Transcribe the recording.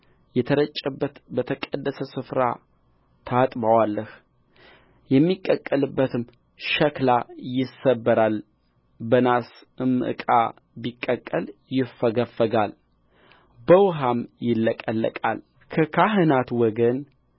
የተረጨበትን በተቀደሰ ስፍራ ታጥበዋለህ የሚቀቀልበትም ሸክላ ይሰበራል በናስም ዕቃ ቢቀቀል ይፈገፈጋል በውኃም ይለቀለቃል ከካህናት ወገን